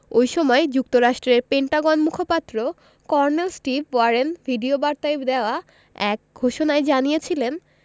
ওই সময় যুক্তরাষ্ট্রের পেন্টাগন মুখপাত্র কর্নেল স্টিভ ওয়ারেন ভিডিওবার্তায় দেওয়া এক ঘোষণায় জানিয়েছিলেন